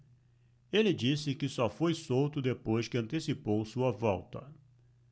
ele disse que só foi solto depois que antecipou sua volta